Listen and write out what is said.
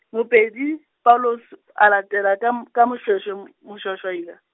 Mopeli Paulus a latela ka M-, ka Moshoeshoe , Moshoashoailane.